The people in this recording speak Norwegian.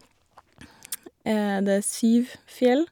er Det er syv fjell.